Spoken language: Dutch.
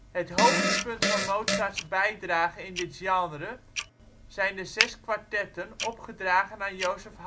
Het hoogtepunt van Mozarts bijdrage in dit genre zijn de zes kwartetten opgedragen aan Joseph